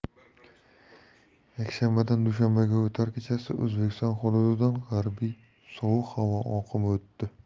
yshanbadan dushanbaga o'tar kechasi o'zbekiston hududidan g'arbiy sovuq havo oqimi o'tdi